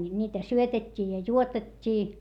niitä syötettiin ja juotettiin